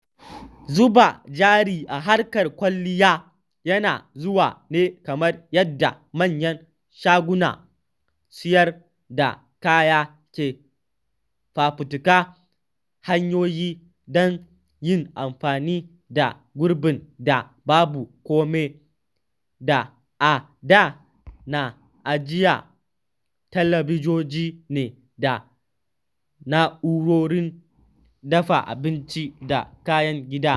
Zuba jari a harkar kwalliya yana zuwa ne kamar yadda manyan shagunan sayar da kaya ke fafutukar hanyoyi don yin amfani da gurbin da babu kome da a da na ajiye talabijoji ne, da na’urorin dafa abinci da kayan gida.